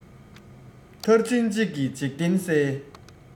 མཐར ཕྱིན གཅིག གིས འཇིག རྟེན གསལ